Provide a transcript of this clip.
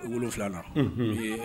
I wolo wolonwula na